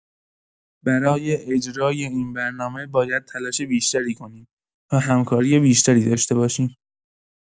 برای اجرای این برنامه، باید تلاش بیشتری کنیم و همکاری بیشتری داشته باشیم.